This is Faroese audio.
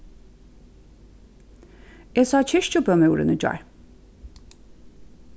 eg sá kirkjubømúrin í gjár